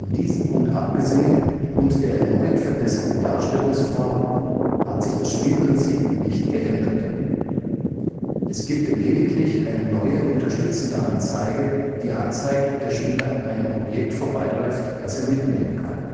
diesem Punkt abgesehen und der erneut verbesserten Darstellungsform, hat sich das Spielprinzip nicht geändert. Es gibt lediglich eine neue unterstützende Anzeige, die anzeigt, ob der Spieler an einem Objekt vorbeiläuft, das er mitnehmen kann